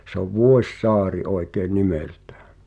se on Vuosaari oikea nimeltään